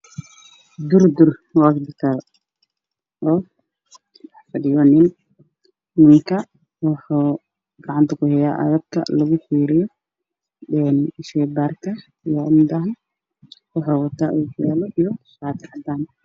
Waa nin joogo isbitaal oo wato shaati cadaan ah oo hayo qalabka shaybaarka ookaala qabo